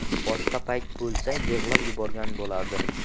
boshqa payt bo'lsa yig'lab yuborgan bo'lardi